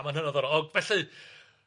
A ma'n hynod ddiddorol. Felly